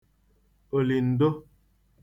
òlị̀ǹdụ